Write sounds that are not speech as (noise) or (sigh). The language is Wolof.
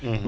(hesitation) (hesitation)